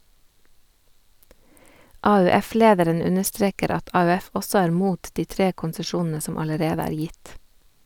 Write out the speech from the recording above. AUF-lederen understreker at AUF også er mot de tre konsesjonene som allerede er gitt.